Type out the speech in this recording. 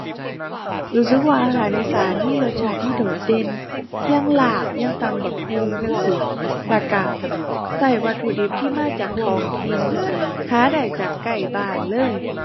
รู้สึกว่าอาหารอีสานมีรสชาติที่โดดเด่น อย่างลาบ อย่างตำบักหุ่งจั่งซี้ แล้วก็ก็วัตถุดิบที่มาจากท้องถิ่น หาได้จากใกล้บ้านเลย